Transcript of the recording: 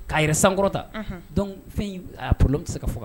K'a yɛrɛ sankɔrɔ ta fɛn polo bɛ se ka faga